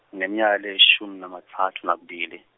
ngineminyaka leyishumi namatsatfu nakubili.